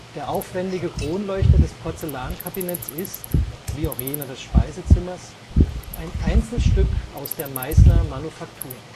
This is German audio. Der aufwändige Kronleuchter des Porzellankabinetts ist, wie auch jener des Speisezimmers, ein Einzelstück aus der Meißner Manufaktur